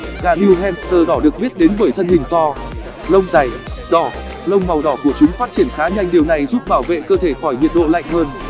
gà new hampshire đỏ được biết đến bởi bởi thân hình to lông dày đỏ lông màu đỏ của chúng phát triển khá nhanh điều này giúp bảo vệ cơ thể khỏi nhiệt độ lạnh hơn